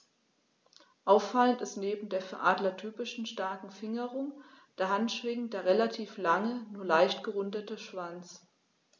Auffallend ist neben der für Adler typischen starken Fingerung der Handschwingen der relativ lange, nur leicht gerundete Schwanz.